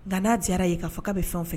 Nka n'a jɛra yen k'a faga bɛ fɛn fɛ